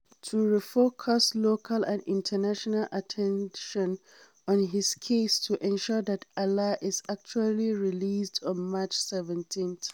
To re-focus local and international attention on his case to ensure that Alaa is actually released on March 17th.